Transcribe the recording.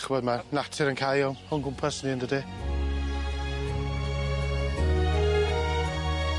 Ch'mod ma' natur yn cau o- o'n gwmpas ni yndydi?